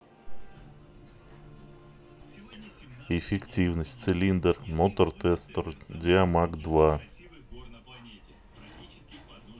эффективность цилиндр мотортестер диамаг два